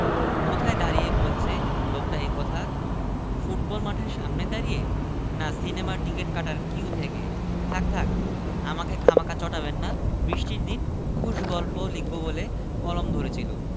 এদিকে হেকিম আপন মৃত্যুর জন্য তৈরি ছিলেন বলে প্রতিশোধের ব্যবস্থাও করে গিয়েছিলেন তিনি পাতায় পাতায় কোণের দিকে মাখিয়ে রেখেছিলেন মারাত্মক বিষ